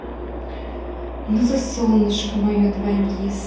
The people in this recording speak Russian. но ты солнышко мое 2gis